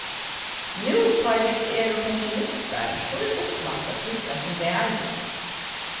nú tá ið vit eru pensjonistar so er upplagt at hittast um dagin